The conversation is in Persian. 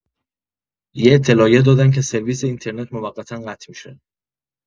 یه اطلاعیه دادن که سرویس اینترنت موقتا قطع می‌شه.